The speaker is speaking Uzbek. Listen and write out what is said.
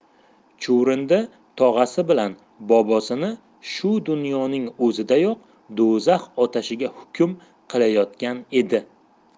chuvrindi tog'asi bilan bobosini shu dunyoning o'zidayoq do'zax otashiga hukm qilayotgan edi